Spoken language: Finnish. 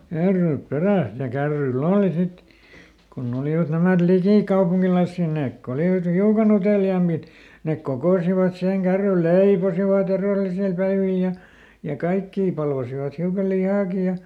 kärryt perässä ja kärryillä oli sitten kun olivat nämä likikaupunkilaisia ne kun olivat hiukan uteliaampia ne kokosivat siihen kärryille leipoivat edellisellä päivillä ja ja kaikkia palvasivat hiukan lihaakin ja